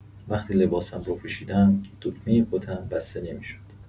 وقتی لباسم رو پوشیدم، دگمۀ کتم بسته نمی‌شد.